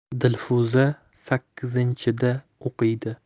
dilfuza sakkizinchida o'qiydi